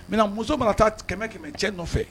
Mɛ muso mana kɛmɛ kɛmɛ cɛ nɔfɛ